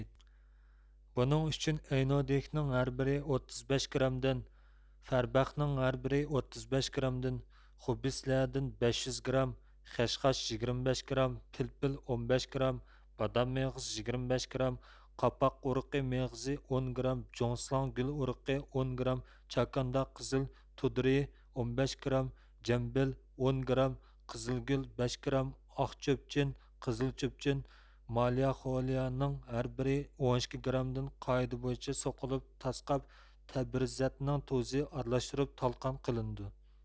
بۇنىڭ ئۈچۈن ئەينۇددېيكنىڭ ھەر بىرى ئوتتۇز بەش گىرامدىن خەربەقنىڭ ھەر بىرى ئوتتۇز بەش گىرامدىن خۇبسىلھەددىن بەش يۈز گىرام خەشخاش يىگىرمە بەش گىرام پىلپىل ئون بەش گىرام بادام مېغىزى يىگىرمە بەش گىرام قاپاق ئۇرۇغى مېغىزى ئون گىرام جۇڭسىلاڭ گۈل ئۇرۇغى ئون گىرام چاكاندا قىزىل تۇدرى ئون بەش گىرام جەمبىل ئون گىرام قىزىلگۈل بەش گىرام ئاق چۆبچىن قىزىل چۆبچىن مالىخوليانىڭ ھەر بىرى ئون ئىككى گىرام قائىدە بويىچە سوقۇپ تاسقاپ تەبىرىزەدنىڭ تۇزى ئارىلاشتۇرۇپ تالقان قىلىنىدۇ